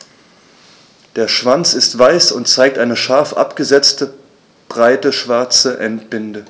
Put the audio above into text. Der Schwanz ist weiß und zeigt eine scharf abgesetzte, breite schwarze Endbinde.